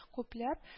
Күпләп